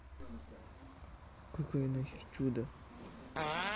какая нахер чудо